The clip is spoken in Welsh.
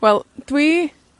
Wel, dwi